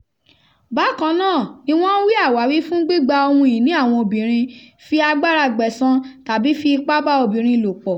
Bákan náà ni wọ́n ń wí àwáwí fún gbígba ohun ìní àwọn obìnrin, fi agbára gbẹ̀san tàbí fi ipá bá obìnrin lò pọ̀.